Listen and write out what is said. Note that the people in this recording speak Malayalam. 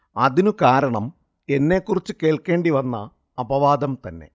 അതിനു കാരണം എന്നെക്കുറിച്ചു കേൾക്കേണ്ടി വന്ന അപവാദം തന്നെ